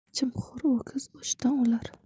chimxo'r ho'kiz ochdan o'lar